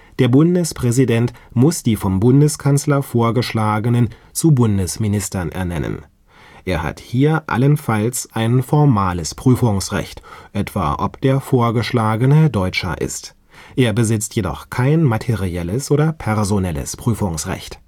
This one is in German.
Der Bundespräsident muss die vom Bundeskanzler Vorgeschlagenen zu Bundesministern ernennen. Er hat hier allenfalls ein formales Prüfungsrecht, etwa ob der Vorgeschlagene Deutscher ist; er besitzt jedoch kein materielles oder personelles Prüfungsrecht